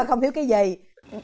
không thiếu cái gì